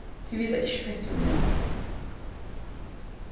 tit vita ikki petti um meg